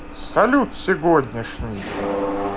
салют сегодняшний